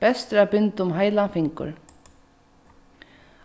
best er at binda um heilan fingur